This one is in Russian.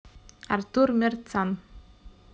артур mercan